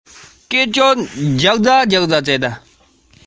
ཟ མ བརྐུ བའི བརྒྱུད རིམ ནི བདག ལ